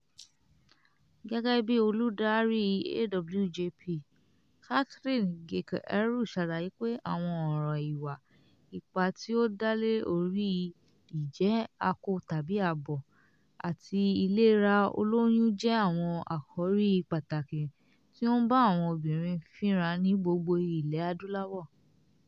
Gẹ́gẹ́ bíi olùdarí AWJP, Catherine Gicheru ṣàlàyé pé àwọn ọ̀ràn ìwà ipá tí ó dálè orí ìjẹ́ akọ tàbí abo àti ìlera olóyún jẹ́ àwọn àkòrí pàtàkì tí ó ń bá àwọn obìnrin fínra ní gbogbo Ilẹ̀ Adúláwò.